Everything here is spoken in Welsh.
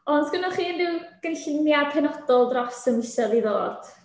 Ond 'sgenna chi unryw gynlluniau penodol dros y misoedd i ddod?